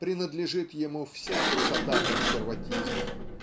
Принадлежит ему вся красота консерватизма.